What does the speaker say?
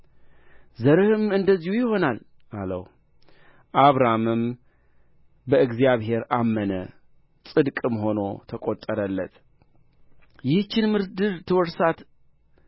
ዘርህም እንደዚሁ ይሆናል አለው አብራምም በእግዚአብሔር አመነ ጽድቅም ሆኖ ተቈጠረለት ይህችን ምድር ትወርሳት